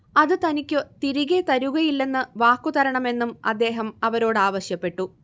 അത് തനിക്കു തിരികെ തരുകയില്ലെന്ന് വാക്കുതരണമെന്നും അദ്ദേഹം അവരോടാവശ്യപ്പെട്ടു